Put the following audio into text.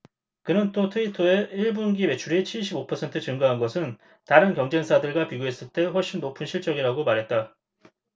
그는 또 트위터의 일 분기 매출이 칠십 오 퍼센트 증가한 것은 다른 경쟁사들과 비교했을 때 훨씬 높은 실적이라고 말했다